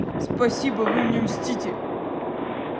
спасибо вы мне мстите